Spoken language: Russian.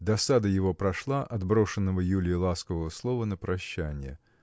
Досада его прошла от брошенного Юлиею ласкового слова на прощанье.